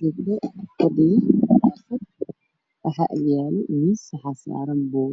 Waa saddex gabdhood oo fadhiyaan meel waxay wataan xijaabo cadaadis buluug